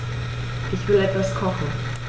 Ich will etwas kochen.